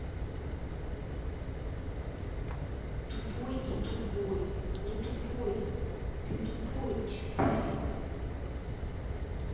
тупой и тупой не тупой ты тупой четыре